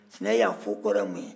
sinɛ y'a fɔ kɔrɔ ye mun ye